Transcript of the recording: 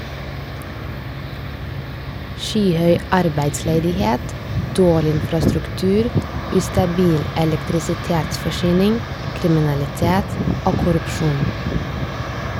Skyhøy arbeidsledighet, dårlig infrastruktur, ustabil elektrisitetsforsyning, kriminalitet og korrupsjon.